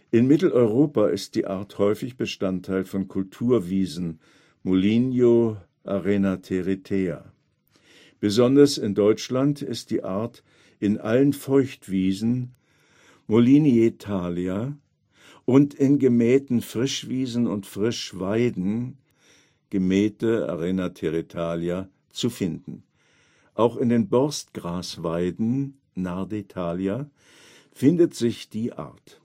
In Mitteleuropa ist die Art häufig Bestandteil von Kulturwiesen (Molinio-Arrhenatheretea). Besonders in Deutschland ist die Art in allen Feuchtwiesen (Molinietalia) und in gemähten Frischwiesen und Frischweiden (gemähte Arrhenatheretalia) zu finden. Auch in den Borstgrasweiden (Nardetalia) findet sich die Art.